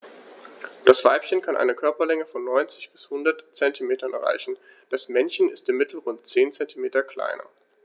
Das Weibchen kann eine Körperlänge von 90-100 cm erreichen; das Männchen ist im Mittel rund 10 cm kleiner.